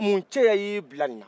mun cɛya y'i bila nin na